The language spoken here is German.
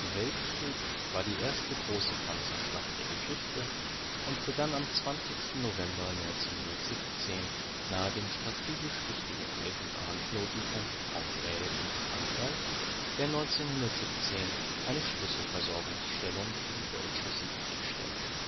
Weltkrieg war die erste große Panzerschlacht der Geschichte und begann am 20. November 1917 nahe dem strategisch wichtigen Eisenbahnknotenpunkt Cambrai in Frankreich, der 1917 eine Schlüsselversorgungsstellung für die deutsche Siegfriedstellung